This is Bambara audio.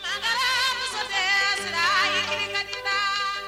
Maa tile tile diɲɛggɛnin la